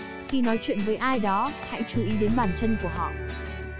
khi nói chuyện với ai đó hãy chú ý đến bàn chân của họ